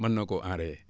mën na koo enrayer